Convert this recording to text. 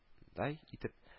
Ндай итеп: